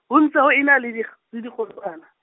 ho ntse ho ena le dikg- le dikgosana.